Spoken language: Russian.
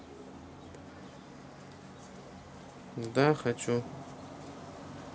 да хочу